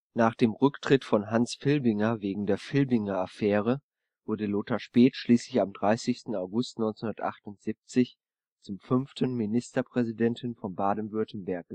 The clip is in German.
Nach dem Rücktritt von Hans Filbinger wegen der „ Filbinger-Affäre “wurde Lothar Späth schließlich am 30. August 1978 zum fünften Ministerpräsidenten von Baden-Württemberg